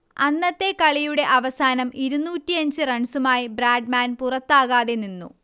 അന്നത്തെ കളിയുടെ അവസാനം ഇരുന്നൂറ്റിയഞ്ച് റൺസുമായി ബ്രാഡ്മാൻ പുറത്താകാതെ നിന്നു